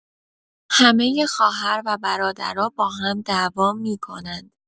همه خواهر و برادرا با هم دعوا می‌کنن.